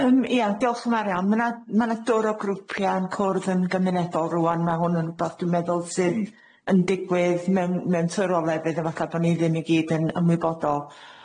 Yym ia, diolch yn fawr iawn ma' 'na ma' 'na dwr o grwpia yn cwrdd yn gymunedol rŵan ma' hwn yn wbath dwi'n meddwl sy'n yn digwydd mewn mewn twr o lefydd a fatha bo' ni ddim i gyd yn ymwybodol.